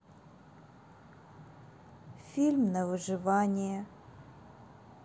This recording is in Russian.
фильм на выживание